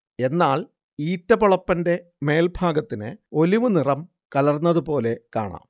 എന്നാൽ ഈറ്റ പൊളപ്പന്റെ മേൽഭാഗത്തിന് ഒലിവ് നിറം കലർന്നതുപോലെ കാണാം